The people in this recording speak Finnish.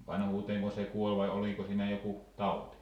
vanhuuteenko se kuoli vai oliko siinä joku tauti